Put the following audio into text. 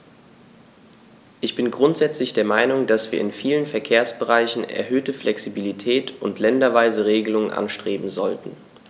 Ich bin grundsätzlich der Meinung, dass wir in vielen Verkehrsbereichen erhöhte Flexibilität und länderweise Regelungen anstreben sollten.